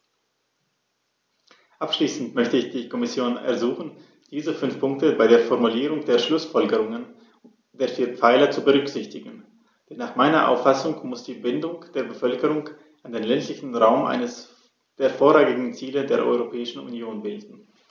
Abschließend möchte ich die Kommission ersuchen, diese fünf Punkte bei der Formulierung der Schlußfolgerungen der vier Pfeiler zu berücksichtigen, denn nach meiner Auffassung muss die Bindung der Bevölkerung an den ländlichen Raum eines der vorrangigen Ziele der Europäischen Union bilden.